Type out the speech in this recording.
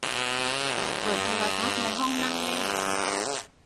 เปิดโทรทัศน์ในห้องนั่งเล่น